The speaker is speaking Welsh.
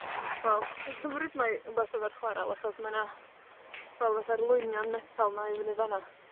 Wel, dwi'n cymryd mai wbath efo'r chwarel, achos mae 'na, wel, fatha'r lwynion metal 'ma i fynny fan 'na.